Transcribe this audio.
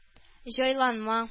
Җайланма